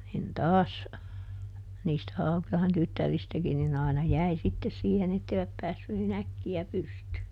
niin taas niistä Haukilahden tyttäristäkin niin aina jäi sitten siihen että eivät päässyt niin äkkiä pystyyn